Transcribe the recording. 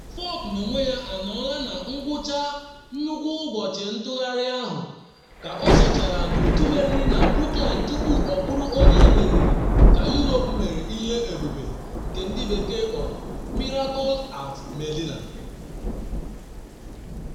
Furyk n’onwe ya anọrọla na ngwucha nnukwu ụbọchị ntugharị ahụ, ka o osochara n’otu meriri na Brookline tupu ọ bụrụ onye emeriri ka Europe mere ihe ebube “Miracle at Medinah.”